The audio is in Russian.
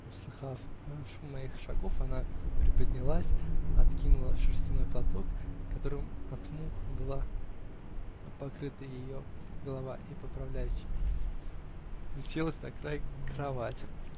услыхав шум моих шагов, она приподнялась, откинула шерстяной платок, которым от мух была покрыта ее голова, и, поправляя чепец, уселась на край кровати.